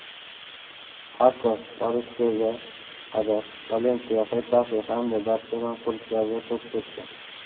pako borussiya ga qadar valensiya xetafe hamda barselona klublarida to'p tepgan